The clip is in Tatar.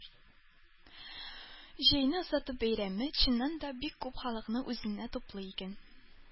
Җәйне озату бәйрәме, чыннан да, бик күп халыкны үзенә туплый икән.